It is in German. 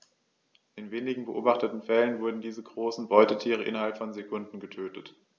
In den wenigen beobachteten Fällen wurden diese großen Beutetiere innerhalb von Sekunden getötet.